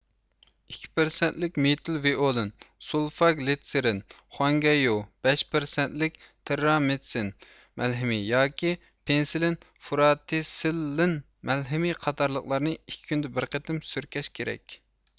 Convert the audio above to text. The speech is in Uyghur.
ئىككى پىرسەنتلىك مېتىل ۋىئولىن سۇلفاگلىتسېرىن خۇاڭگەنيوۋ بەش پىرسەنتلىك تېررامىتسىن مەلھىمى ياكى پېنسىلىن فۇراتىسىللىن مەلھىمى قاتارلىقلارنى ئىككى كۈندە بىر قېتىم سۈركەش كېرەك